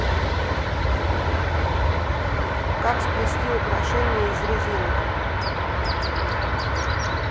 как сплести украшение из резинок